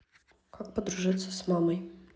как подружиться с мамой